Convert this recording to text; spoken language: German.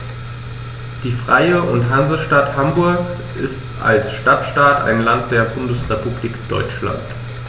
Die Freie und Hansestadt Hamburg ist als Stadtstaat ein Land der Bundesrepublik Deutschland.